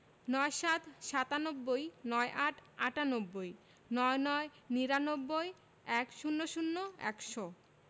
৯৭ – সাতানব্বই ৯৮ - আটানব্বই ৯৯ - নিরানব্বই ১০০ – একশো